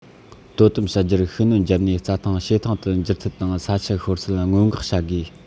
དོ དམ བྱ རྒྱུར ཤུགས སྣོན བརྒྱབ ནས རྩྭ ཐང བྱེ ཐང དུ འགྱུར ཚུལ དང ས ཆུ ཤོར ཚུལ སྔོན འགོག བྱ དགོས